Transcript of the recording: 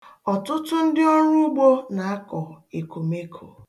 Ọtụtụ ndị ọruugbo na-akọ ekomeko.